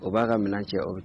O b'a ka minɛn cɛ o bɛ